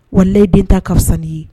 Wa len den ta ka fisanin ye